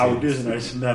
Audi's yn neis yndan?